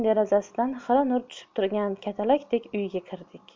derazasidan xira nur tushib turgan katalakdek uyga kirdik